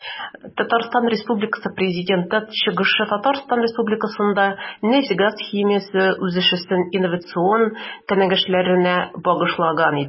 ТР Президенты чыгышы Татарстан Республикасында нефть-газ химиясе үсешенең инновацион юнәлешләренә багышланган иде.